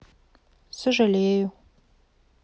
сожалею